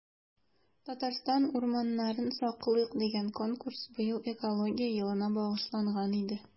“татарстан урманнарын саклыйк!” дигән конкурс быел экология елына багышланган иде.